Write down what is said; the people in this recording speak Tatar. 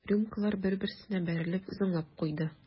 Рюмкалар бер-берсенә бәрелеп зыңлап куйды.